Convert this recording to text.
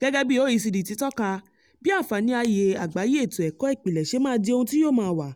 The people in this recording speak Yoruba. Gẹ́gẹ́ bí OECD tí tọ́ka, bí àǹfààní ààyè àgbáyé ètò ẹ̀kọ́ ìpìlẹ̀ ṣe máa di ohun tí yóò máa wà,